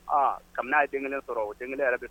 Aa kabini a ye den kelen sɔrɔ o den kelen yɛrɛ